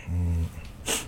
A